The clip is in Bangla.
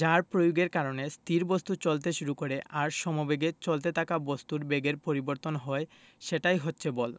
যার প্রয়োগের কারণে স্থির বস্তু চলতে শুরু করে আর সমবেগে চলতে থাকা বস্তুর বেগের পরিবর্তন হয় সেটাই হচ্ছে বল